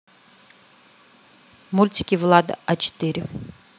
мультики влада а четыре